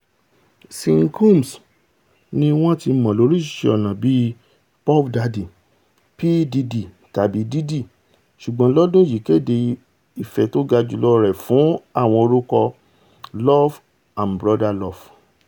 Sean Combs ni wọń ti mọ lóríṣiríṣi ọ̀nà bíi Puff Daddy, P. Diddy tàbí Diddy, ṣùgbọn lọ́dún yìí kéde ìfẹ́ tóga jùlọ rẹ̀ fún àwọn orúkọ Love and Brother Love.